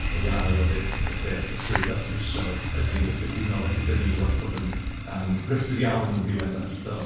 A Eye, o dde- yy ddeallusrwydd artiffisial... Ydi. yn cyffredinol, felly 'dan ni wedi bod yn yym brysur iawn yn ddiweddar, do.